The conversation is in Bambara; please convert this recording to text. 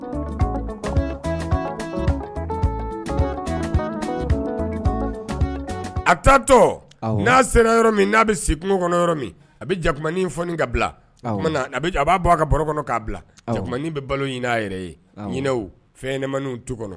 A taa to n' sera yɔrɔ min na bɛ se kungo kɔnɔ a bɛ jakuma ka a b'a bɔ a ka kɔnɔ kaa bila bɛ balo ɲini a yɛrɛ yew fɛnmaniw tu kɔnɔ